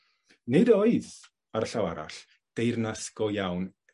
Nid oedd, ar y llaw arall, deyrnas go iawn